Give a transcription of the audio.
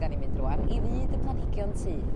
...'dan ni'n mynd rŵan i fyd y planhigion tŷ